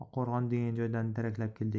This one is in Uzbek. oqqo'rg'on degan joydan daraklab keldik